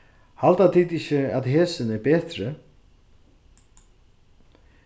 halda tit ikki at hesin er betri